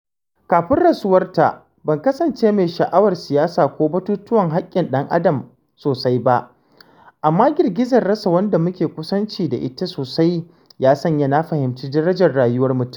Kafin rasuwarta, ban kasance mai sha’awar siyasa ko batutuwan haƙƙin ɗan Adam sosai ba, amma girgizar rasa wanda muke kusanci da ita sosai ya sanya na fahimci darajar rayuwar mutum.